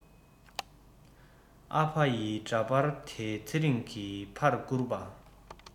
ཨ ཕ ཡི འདྲ པར དེ ཚེ རིང གི ཕར བསྐུར པ